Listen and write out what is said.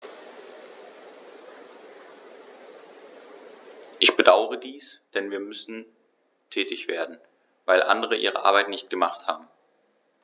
Ich bedauere dies, denn wir müssen tätig werden, weil andere ihre Arbeit nicht gemacht haben.